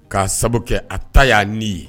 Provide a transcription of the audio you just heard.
K'a sababu kɛ a ta y'a n ye